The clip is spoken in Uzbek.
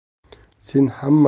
sen hamma narsani